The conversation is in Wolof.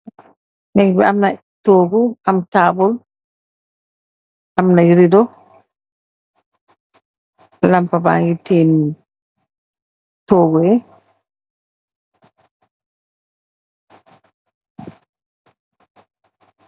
Neek be amna toogu am table am nye reedu lampa bage tem toogu yee.